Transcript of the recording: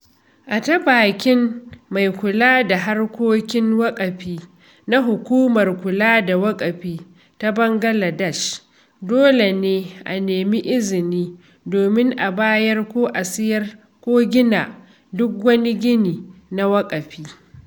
A ta bakin mai kula da harkokin waƙafi na Hukumar kula da Waƙafi ta Bangaladesh, dole ne a nemi izini domin a bayar ko sayar ko gina duk wani gini na waƙafi.